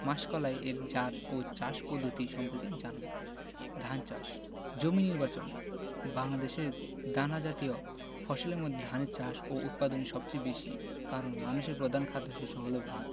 মাসকলাই এর জাত ও চাষ পদ্ধতি সম্পর্কে জানব ধান চাষ জমি নির্বাচন বাংলাদেশে দানাজাতীয় ফসলের মধ্যে ধানের চাষ ও উৎপাদন সবচেয়ে বেশি কারন মানুষের প্রধান খাদ্যশস্য হলো ভাত